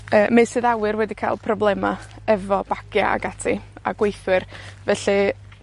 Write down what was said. yy meysydd awyr wedi ca'l problema efo bagia' ac ati, a gweithwyr, felly,